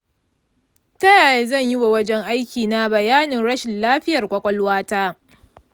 ta yaya zan yiwa wajen aikina bayanin rashin lafiyar ƙwaƙwalwa ta?